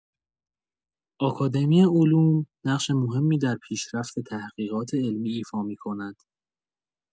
آکادمی علوم، نقش مهمی در پیشرفت تحقیقات علمی ایفا می‌کند.